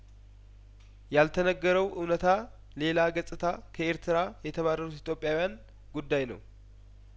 ያልተነገረው እውነታ ሌላ ገጽታ ከኤርትራ የተባረሩት ኢትዮጵያውያን ጉዳይ ነው